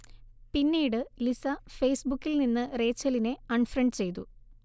പിന്നീട് ലിസ ഫേസ്ബുക്കിൽനിന്ന് റേച്ചലിനെ അൺഫ്രണ്ട് ചെയ്തു